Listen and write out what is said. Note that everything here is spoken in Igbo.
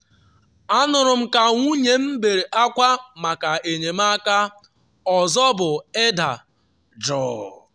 “A nụrụ m ka nwunye m bere akwa maka enyemaka, ọzọ bụ ịda jụụ.